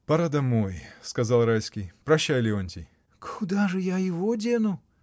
— Пора домой, — сказал Райский. — Прощай, Леонтий! — Куда же я его дену?